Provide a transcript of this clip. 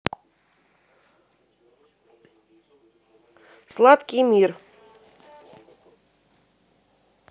сладкий мир